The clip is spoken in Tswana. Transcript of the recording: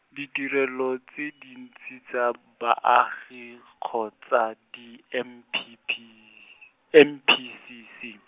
ditirelo tse dintsi tsa baagi kgotsa di M P P, M P C C.